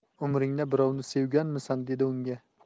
umringda birovni sevganmisan dedi unga